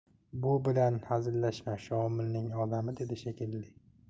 bu bilan hazillashma shomilning odami dedi shekilli